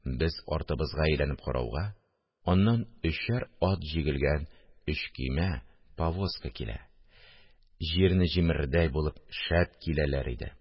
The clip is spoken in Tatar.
Без артыбызга әйләнеп карауга, аннан өчәр ат җигелгән өч көймә (повозка) килә, җирне җимерердәй булып шәп киләләр иде